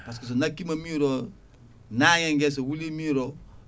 par ce que so nakkima mur o nangue so wuuli mur o